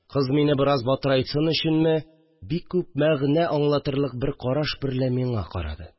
Кыз, мине бераз батырайтыр өченме, бик күп мәгънә аңлатырлык бер караш берлә миңа карады